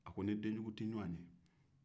n ni denjugu tɛ ɲɔgɔn ye